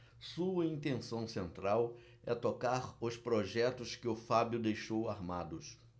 sua intenção central é tocar os projetos que o fábio deixou armados